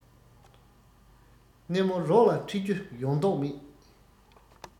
གནས མོ རོགས ལ ཁྲིད རྒྱུ ཡོང མདོག མེད